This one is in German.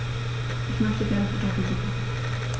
Ich möchte gerne Kartoffelsuppe.